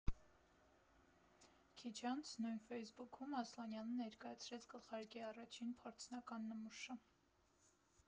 Քիչ անց նույն ֆեյսբուքում Ասլանյանը ներկայացրեց գլխարկի առաջին, փորձնական նմուշը։